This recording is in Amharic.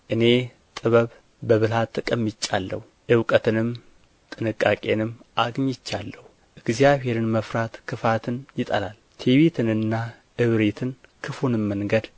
እኔ ጥበብ በብልሃት ተቀምጫለሁ እውቀትንም ጥንቃቄንም አግኝቻለሁ እግዚአብሔርን መፍራት ክፋትን ይጠላል ትዕቢትንና እብሪትን ክፉንም መንገድ